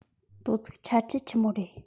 དོ ཚིགས ཆར ཆུ ཆི མོ རེད